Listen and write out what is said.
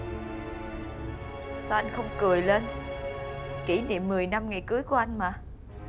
sao anh không cười lên kỷ niệm mười năm ngày cưới của anh mà